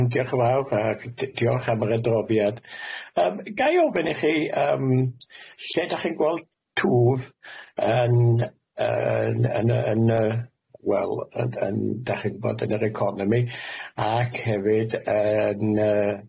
diolch yn fawr ac di- diolch am yr adroddiad yym gai ofyn i chi yym lle dach chi'n gweld twf yn yn yn yn yy wel yn yn dach chi'n gwbod yn yr economi ac hefyd yn yy